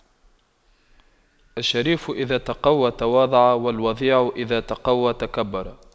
الشريف إذا تَقَوَّى تواضع والوضيع إذا تَقَوَّى تكبر